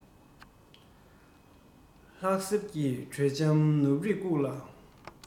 ལྷག ཟེར གྱི དྲོད འཇམ ནུབ རིས བཀུག ལ